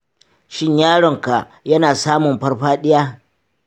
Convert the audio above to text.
shin yaronka yana samun farfaɗiya?